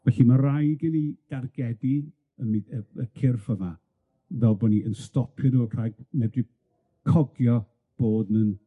Felly, ma' raid i ni dargedu y mu- y y cyrff yma fel bo' ni yn stopio nw, a rhaid medru cofio bod nw'n